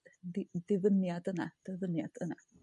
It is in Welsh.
di- difyniad yna dyfyniad yna.